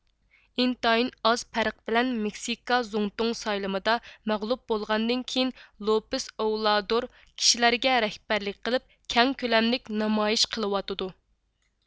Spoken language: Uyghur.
ئىنتايىن ئاز پەرق بىلەن مېكسىكا زۇڭتۇڭ سايلىمىدا مەغلۇپ بولغاندىن كېيىن لوپېز ئوۋلادور كىشىلەرگە رەھبەرلىك قىلىپ كەڭ كۆلەملىك نامايىش قىلىۋاتىدۇ